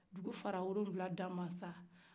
dukukolo fara wɔlon wula dan masa